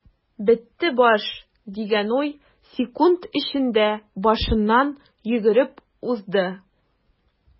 "бетте баш” дигән уй секунд эчендә башыннан йөгереп узды.